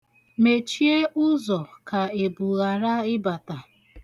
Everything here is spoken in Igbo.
Mechie ụzọ ka ebu ghara ịbata.